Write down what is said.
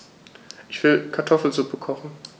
Ich will Kartoffelsuppe kochen.